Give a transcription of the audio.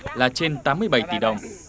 là trên tám mươi bảy tỷ đồng